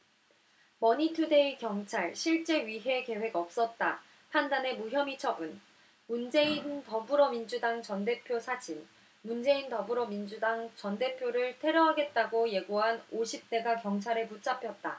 머니투데이 경찰 실제 위해 계획 없었다 판단해 무혐의 처분 문재인 더불어민주당 전 대표 사진 문재인 더불어민주당 전 대표를 테러하겠다고 예고한 오십 대가 경찰에 붙잡혔다